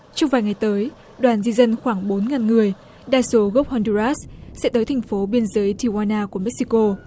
trong vài ngày tới đoàn di dân khoảng bốn ngàn người đa số gốc hon đơ rát sẽ tới thành phố biên giới ti goa na của mết xi cô